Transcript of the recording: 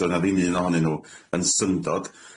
Dyna ddim un ohonyn nw yn syndod.